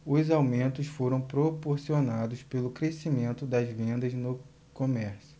os aumentos foram proporcionados pelo crescimento das vendas no comércio